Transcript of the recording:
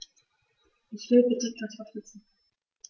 Ich will bitte Kartoffelsuppe.